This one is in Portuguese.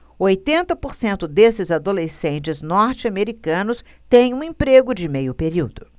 oitenta por cento desses adolescentes norte-americanos têm um emprego de meio período